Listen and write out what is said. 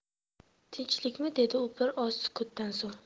tinchlikmi dedi u bir oz sukutdan so'ng